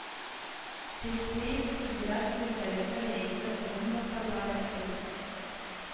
Пекпеевка, Федерация Советы Рәисе урынбасарлары эС